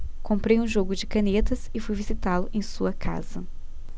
comprei um jogo de canetas e fui visitá-lo em sua casa